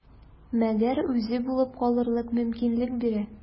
Мәгәр үзе булып калырга мөмкинлек бирә.